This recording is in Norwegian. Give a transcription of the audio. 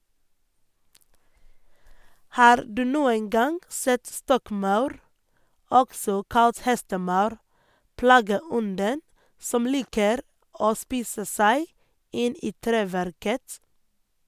Har du noen gang sett stokkmaur, også kalt hestemaur, plageånden som liker å spise seg inn i treverket?